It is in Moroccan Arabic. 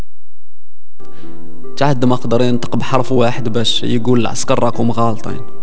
فهد ماقدر ينطق بحرف واحد بس يقول العسكر رقم غلطان